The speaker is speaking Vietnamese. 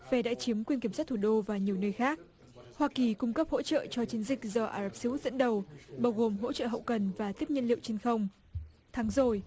về đã chiếm quyền kiểm soát thủ đô và nhiều nơi khác hoa kỳ cung cấp hỗ trợ cho chiến dịch do ả rập xê út dẫn đầu bao gồm hỗ trợ hậu cần và tiếp nhiên liệu trên không tháng rồi